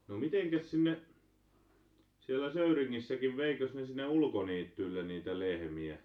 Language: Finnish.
no mitenkäs sinne siellä Söyringissäkin veikös ne sinne ulkoniittyille niitä lehmiä